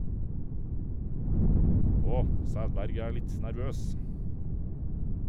Åh, Sædberg er litt nervøs.